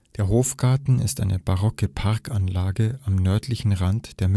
Hofgarten ist eine barocke Parkanlage am nördlichen Rand der